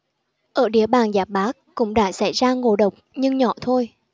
ở địa bàn giáp bát cũng đã xảy ra ngộ độc nhưng nhỏ thôi